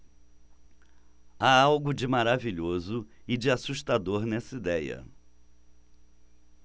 há algo de maravilhoso e de assustador nessa idéia